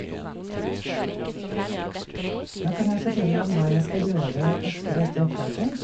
Nå kan jeg fortelle om hva jeg skal gjøre etter dette opptaket.